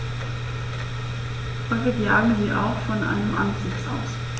Häufig jagen sie auch von einem Ansitz aus.